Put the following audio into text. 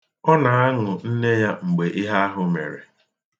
Ọ na-aṅụ nne ya mgbe ihe ahụ mere.